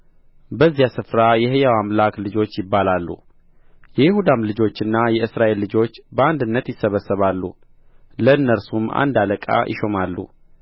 በዚያ ስፍራ የሕያው አምላክ ልጆች ይባላሉ የይሁዳ ልጆችና የእስራኤል ልጆች በአንድነት ይሰበሰባሉ ለእነርሱም አንድ አለቃ ይሾማሉ